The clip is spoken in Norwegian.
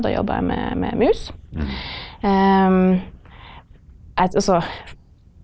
da jobba jeg med med mus altså.